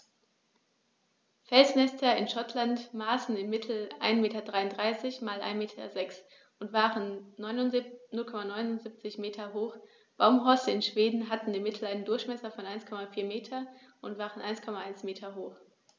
Felsnester in Schottland maßen im Mittel 1,33 m x 1,06 m und waren 0,79 m hoch, Baumhorste in Schweden hatten im Mittel einen Durchmesser von 1,4 m und waren 1,1 m hoch.